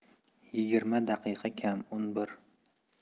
yigirma daqiqa kam o'n bir